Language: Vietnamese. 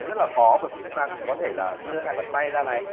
sẽ rất là khó bởi vì chúng ta cũng có thể là đưa hai bàn tay ra này